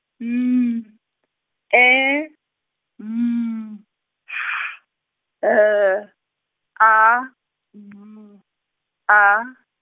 N, E, M, H, L, A, B, A.